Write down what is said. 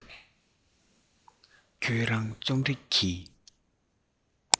ཁྱོད རང རྩོམ རིག གི